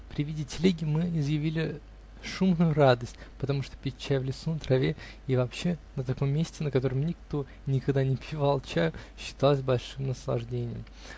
При виде телеги мы изъявили шумную радость, потому что пить чай в лесу на траве и вообще на таком месте, на котором никто и никогда не пивал чаю, считалось большим наслаждением.